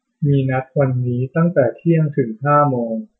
มีนัดวันนี้ตั้งแต่เที่ยงถึงห้าโมง